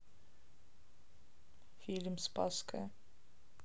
фильм спасская